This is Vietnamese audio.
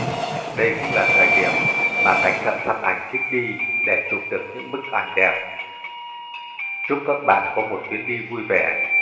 đây cũng là thời điểm mà cánh thợ săn ảnh thích đi để chụp được nững bức ảnh đẹp chúc các bạn có một chuyến đi vui vẻ